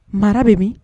Mara bɛ min